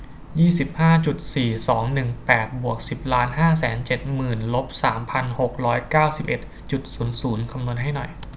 ยี่สิบห้าจุดสี่สองหนึ่งแปดบวกสิบล้านห้าแสนเจ็ดหมื่นลบสามพันหกร้อยเก้าสิบเอ็ดจุดศูนย์ศูนย์คำนวณให้หน่อย